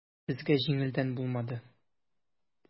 Безгә җиңелдән булмады.